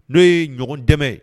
N'o ye ɲɔgɔndɛmɛ